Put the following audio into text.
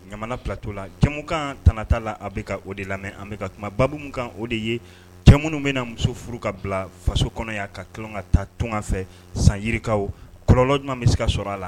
Ɲamana plateau la jɛmukan tana t'a la, an bɛka o de lamɛn, an bɛ ka kuma babu min kan o de ye cɛ minnu bɛna muso furu ka bila faso kɔnɔ yan ka tunun ka taa tunga fɛ, san yirikaw kɔlɔlɔ jumɛn bɛ se ka sɔrɔ a la?